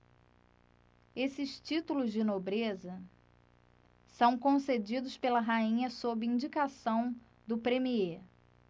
esses títulos de nobreza são concedidos pela rainha sob indicação do premiê